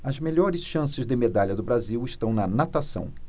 as melhores chances de medalha do brasil estão na natação